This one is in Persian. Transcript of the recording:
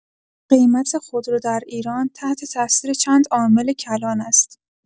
قیمت خودرو در ایران تحت‌تأثیر چند عامل کلان است.